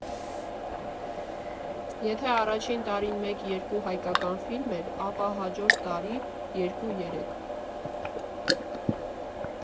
Եթե առաջին տարին մեկ֊երկու հայկական ֆիլմ էր, ապա հաջորդ տարի երկու֊երեք։